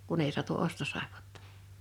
kun ei saatu ostosaippuaa